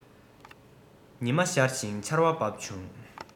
ཉི མ ཤར ཞིང ཆར བ བབས བྱུང